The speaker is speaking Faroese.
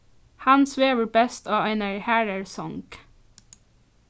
hann svevur best á einari harðari song